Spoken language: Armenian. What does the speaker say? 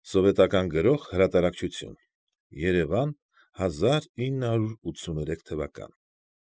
Սովետական Գրող հրատարակչություն։ Երևան, հազար ինը հարյուր ութսուներեք թվական։